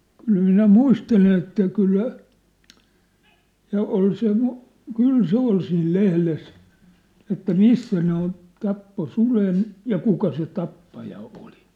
kyllä minä muistelen että kyllä ja oli se kyllä se oli siinä lehdessä että missä ne on tappoi suden ja kuka se tappaja oli